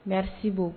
Merci beau